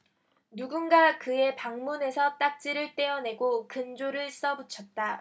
누군가 그의 방문에서 딱지를 떼어내고 근조를 써 붙였다